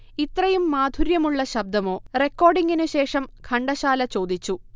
'ഇത്രയും മാധുര്യമുള്ള ശബ്ദമോ' റെക്കോർഡിംഗിന് ശേഷം ഘണ്ടശാല ചോദിച്ചു